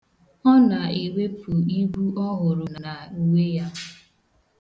Ọ na-ewepu igwu ọ hụrụ n'uwe ya.